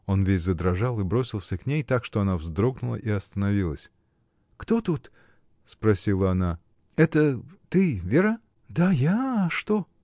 Он весь задрожал и бросился к ней, так что и она вздрогнула и остановилась. — Кто тут? — спросила она. — Это. ты. Вера?. — Да, я: а что?